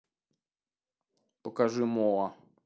покажи моа